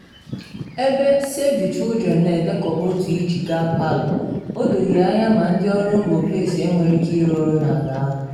Ebe Save the Children na edekọba otu iji gaa Palu, o doghi ya anya ma ndị ọrụ mba ofesi enwere ike ịrụ ọrụ n’ala ahụ.